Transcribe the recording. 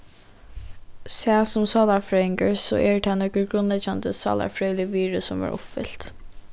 sæð sum sálarfrøðingur so eru tað nøkur grundleggjandi sálarfrøðilig virði sum verða uppfylt